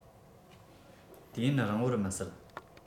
དུས ཡུན རིང བོར མི སྲིད